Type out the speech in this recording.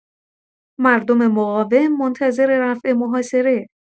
مردم مقاوم منتظر رفع محاصره